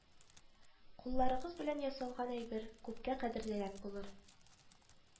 Кулларыгыз белән ясалган әйбер күпкә кадерлерәк булыр